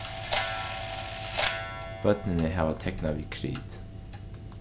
børnini hava teknað við krit